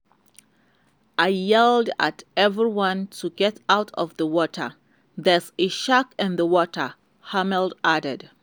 "I yelled at everyone to get out of the water: 'There's a shark in the water!'" Hammel added.